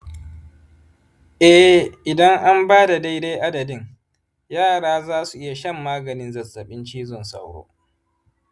eh, idan an ba da daidai adadin, yara za su iya shan maganin zazzabin cizon sauro.